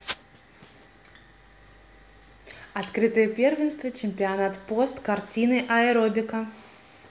открытое первенство чемпионат пост картины аэробика